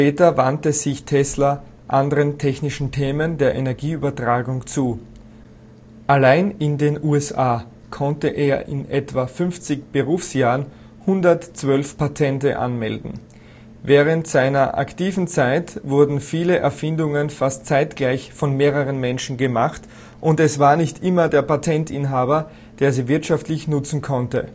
Später wandte sich Tesla anderen technischen Themen der Energieübertragung zu. Allein in den USA konnte er in etwa 50 Berufsjahren 112 Patente anmelden. Während seiner aktiven Zeit wurden viele Erfindungen fast zeitgleich von mehreren Menschen gemacht und es war nicht immer der Patentinhaber, der sie wirtschaftlich nutzen konnte